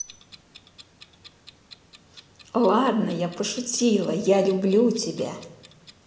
ладно я пошутила я люблю тебя